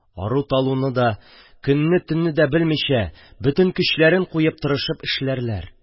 Ару-талуны да, көнне-төнне дә белмичә, бөтен көчләрен куеп тырышып эшләрләр.